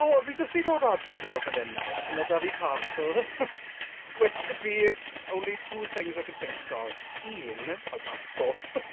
O, fi jyst 'di dod adre nawr fan hyn nawr, a ma 'da fi parcel. Which could be only two things I can think of. Un, my passport.